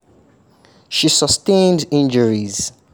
She sustained injuries.